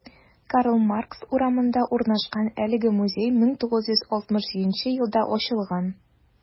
Карл Маркс урамында урнашкан әлеге музей 1967 елда ачылган.